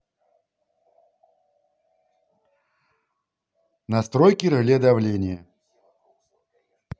настройки реле давления